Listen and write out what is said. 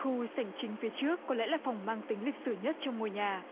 khu sảnh chính phía trước có lẽ là phòng mang tính lịch sử nhất trong ngôi nhà